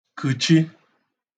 kə̀chi